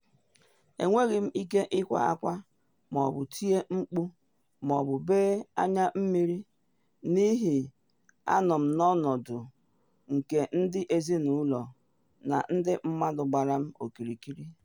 Enweghị ike ịkwa akwa ma ọ bụ tie mkpu ma ọ bụ bee anya mmiri n’ihi anọ m n’ọnọdụ nke ndị ezinụlọ na ndị mmadụ gbara m okirikiri.